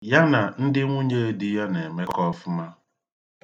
Ya na ndị nwunyedi ya na-emekọ ọfụma.